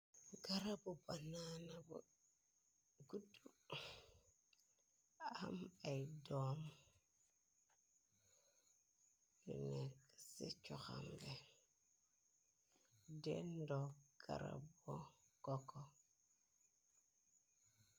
Garab banana bu guddu am ay dom, nekk se coxamge, dendo garabo kokko.